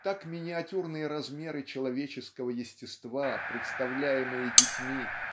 Так миниатюрные размеры человеческого естества представляемые детьми